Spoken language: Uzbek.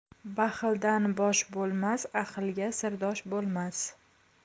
baxildan bosh bo'lmas ahilga sirdosh bo'lmas